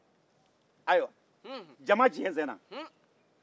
jama jɛnsɛnna